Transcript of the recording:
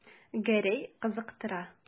Гәрәй кызыктыра.